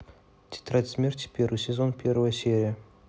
тетрадь смерти первый сезон первая серия